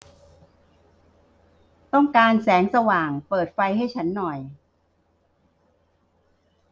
ต้องการแสงสว่างเปิดไฟให้ฉันหน่อย